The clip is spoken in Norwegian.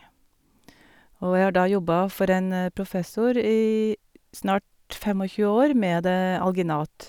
Og jeg har da jobba for en professor i snart fem og tjue år, med det alginat.